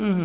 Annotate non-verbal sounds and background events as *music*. *hesitation* *hesitation*